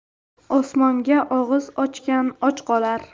osmonga og'iz ochgan och qolar